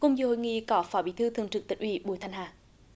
cùng dự hội nghị có phó bí thư thường trực tỉnh ủy bùi thanh hà